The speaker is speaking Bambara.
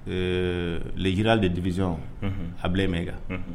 Eee lejira de dimiz hamɛ kan